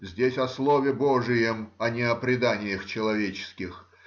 здесь о слове божием, а не о преданиях человеческих.